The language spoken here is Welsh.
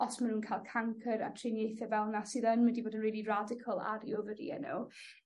os ma nw'n ca'l cancer a triniaethe fel 'na sydd yn mynd i bod yn rili radical ar 'u oferie n'w